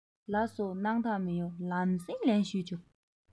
ལགས སོ སྣང དག མི ཡོང ལམ སེང ལན ཞུས ཆོག